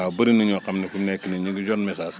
waaw bëri na ñoo xam ne fi mu nekk nii ñu ngi jot message